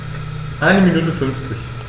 Eine Minute 50